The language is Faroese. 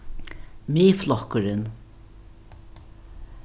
miðflokkurin